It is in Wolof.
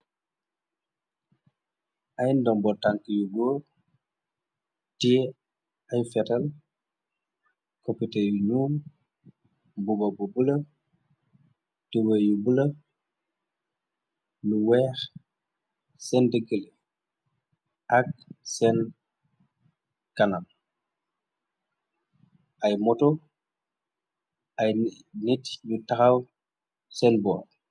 Ay ndombo tank yu góor, tie ay fetal , koppite yu nuul, mbabu bula ,tewe yu bulo, lu weex seen dëkgale. Ak seen kanam ay moto ay nit yu taxaw seen boor.